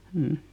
mm